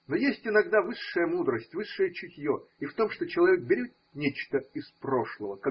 но есть иногда высшая мудрость, высшее чутье и в том, что человек берет нечто из прошлого.